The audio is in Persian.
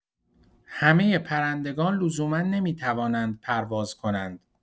همۀ پرندگان لزوما نمی‌توانند پرواز کنند.